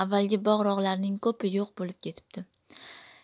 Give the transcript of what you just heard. avalgi bog' rog'larning ko'pi yo'q bo'lib ketibdi